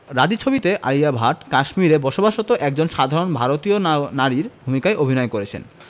রাজী ছবিতে আলিয়া ভাট কাশ্মীরে বসবাসরত একজন সাধারন ভারতীয় নারীর ভূমিকায় অভিনয় করেছেন